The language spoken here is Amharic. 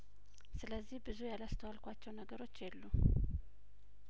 ስለዚህ ብዙ ያስተዋልኳቸው ነገሮች የሉም